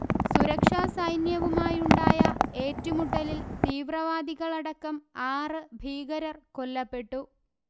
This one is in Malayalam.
സുരക്ഷാസൈന്യവുമായുണ്ടായ ഏറ്റുമുട്ടലിൽ തീവ്രവാദികളടക്കം ആറ് ഭീകരർ കൊല്ലപ്പെട്ടു